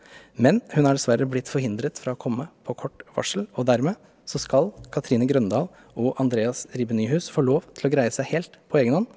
men hun har dessverre blitt forhindret fra å komme på kort varsel og dermed så skal Cathrine Grøndahl og Andreas Ribe-Nyhus få lov til å greie seg helt på egenhånd.